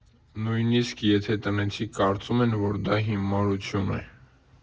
Նույնիսկ եթե տնեցիք կարծում են, որ դա հիմարություն է։